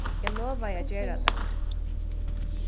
eg lovaði at gera tað